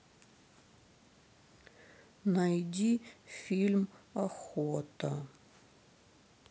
найди фильм охота